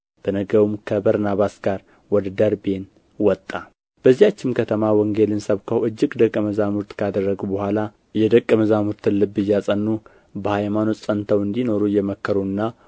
በነገውም ከበርናባስ ጋር ወደ ደርቤን ወጣ በዚያችም ከተማ ወንጌልን ሰብከው እጅግ ደቀ መዛሙርትን ካደረጉ በኋላ የደቀ መዛሙርትን ልብ እያጸኑ በሃይማኖትም ጸንተው እንዲኖሩ እየመከሩና